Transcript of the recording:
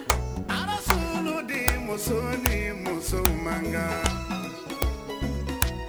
A'olo di musosonin muso man kan